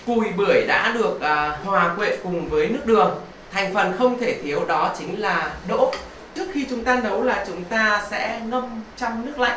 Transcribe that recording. cùi bưởi đã được à hòa quyện cùng với nước đường thành phần không thể thiếu đó chính là đỗ trước khi chúng ta nấu là chúng ta sẽ ngâm trong nước lạnh